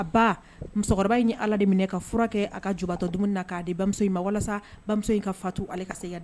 A ba musokɔrɔba in ye ala de minɛ ka furakɛ kɛ a ka jubatɔ dumuni na k'a di ba in ma walasa bamuso in ka fatu ale ka segin dɛ